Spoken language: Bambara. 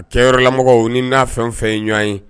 kɛyɔrɔlamɔgɔ ni n'a fɛn o fɛn ye ɲɔgɔn ye